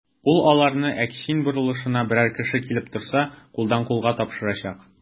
Ул аларны Әкчин борылышына берәр кеше килеп торса, кулдан-кулга тапшырачак.